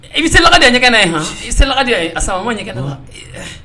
I salidaga de ye ɲɛgɛn nan yen, a ye salidaga di yan, a sama mɔn ɲɛgɛn na yen, huun.